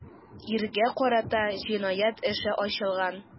Иргә карата җинаять эше ачылган.